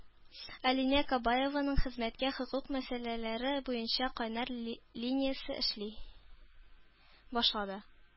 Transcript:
Алинә Кабаеваның хезмәткә хокук мәсьәләләре буенча кайнар линиясе эшли башлады